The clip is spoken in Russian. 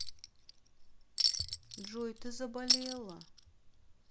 джой ты заболела